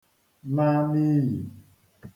na n'iyì